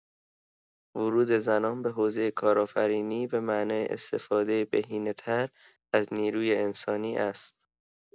ورود زنان به حوزه کارآفرینی به معنای استفاده بهینه‌تر از نیروی انسانی است.